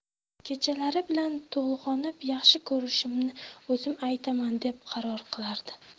kechalari bilan to'lg'onib yaxshi ko'rishimni o'zim aytaman deb qaror qilardi